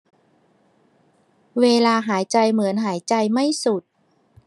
เวลาหายใจเหมือนหายใจไม่สุด